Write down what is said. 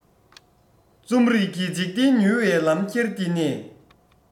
རྩོམ རིག གི འཇིག རྟེན ཉུལ པའི ལམ ཁྱེར འདི ནས